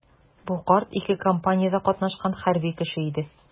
Бу карт ике кампаниядә катнашкан хәрби кеше иде.